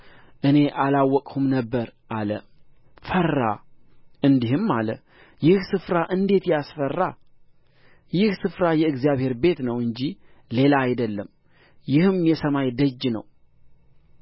እኔ አላወቅሁም ነበር አለ ፈራ እንዲህም አለ ይህ ስፍራ እንዴት ያስፈራ ይህ ስፍራ የእግዚአብሔር ቤት ነው እንጂ ሌላ አይደለም ይህም የሰማይ ደጅ ነው